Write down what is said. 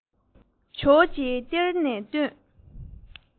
ཇོ བོ རྫེས གཏེར ནས བཏོན